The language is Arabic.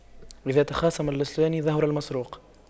إذا تخاصم اللصان ظهر المسروق